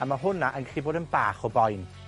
A ma' hwnna yn gallu bod yn bach o boen.